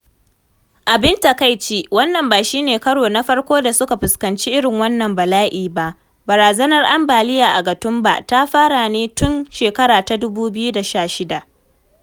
Abin takaici, wannan ba shi ne karo na farko da suka fuskanci irin wannan bala’i ba: barazanar ambaliya a Gatumba ta fara ne tun a 2016.